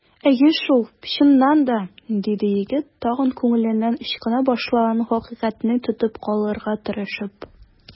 Әйе шул, чыннан да! - диде егет, тагын күңеленнән ычкына башлаган хакыйкатьне тотып калырга тырышып.